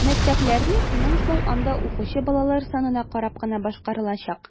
Мәктәпләрне финанслау анда укучы балалар санына карап кына башкарылачак.